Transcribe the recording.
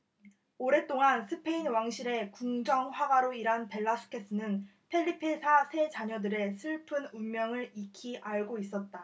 오랫동안 스페인 왕실의 궁정화가로 일한 벨라스케스는 펠리페 사 세 자녀들의 슬픈 운명을 익히 알고 있었다